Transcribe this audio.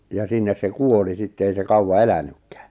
ja sinne se kuoli sitten ei se kauan elänytkään